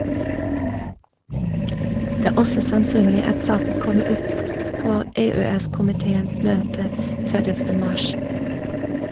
Det er også sannsynlig at saken kommer opp på EØS-komiteens møte 30. mars.